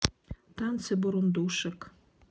танцы бурундушек